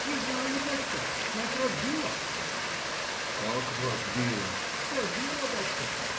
— Не знаю, бачка,— нас разбило. — Как разбило? — Разбило, бачка.